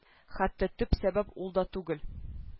Хәтта төп сәбәп ул да түгел